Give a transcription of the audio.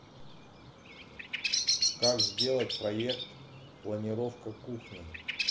как сделать проект планировка кухни